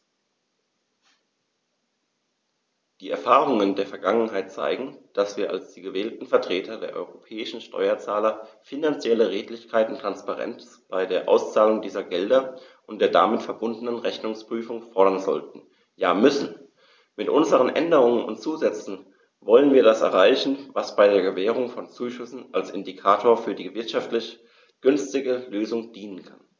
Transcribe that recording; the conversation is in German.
Die Erfahrungen der Vergangenheit zeigen, dass wir als die gewählten Vertreter der europäischen Steuerzahler finanzielle Redlichkeit und Transparenz bei der Auszahlung dieser Gelder und der damit verbundenen Rechnungsprüfung fordern sollten, ja müssen. Mit unseren Änderungen und Zusätzen wollen wir das erreichen, was bei der Gewährung von Zuschüssen als Indikator für die wirtschaftlich günstigste Lösung dienen kann.